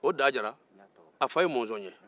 o da jara a fa ye mɔnzɔn ye